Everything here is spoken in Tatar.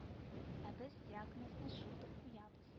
Ә без диагнозны шундук куябыз